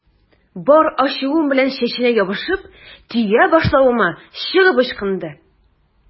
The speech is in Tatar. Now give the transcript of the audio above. Бар ачуым белән чәченә ябышып, төя башлавыма чыгып ычкынды.